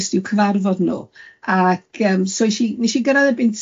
jyst i'w cyfarfod nw, ac yym so esh i nesh i gyrraedd erbyn